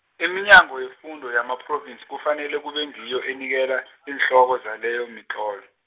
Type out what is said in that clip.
iminyango yefundo yamaphrovinsi kufanele kube ngiyo enikela iinhloko zaleyo mitlolo.